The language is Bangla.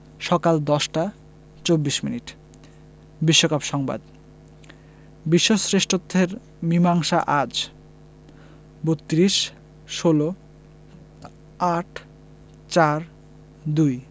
সকাল ১০টা ২৪ মিনিট বিশ্বকাপ সংবাদ বিশ্ব শ্রেষ্ঠত্বের মীমাংসা আজ ৩২ ১৬ ৮ ৪ ২